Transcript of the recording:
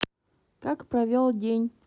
как провел день